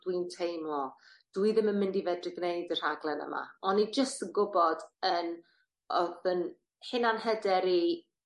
dwi'n teimlo dwi ddim yn mynd i fedru gneud y rhaglen yma. O'n i jyst yn gwbod 'yn o'dd 'yn hunanhyder i